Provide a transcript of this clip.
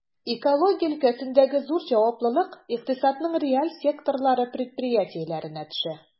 Экология өлкәсендәге зур җаваплылык икътисадның реаль секторлары предприятиеләренә төшә.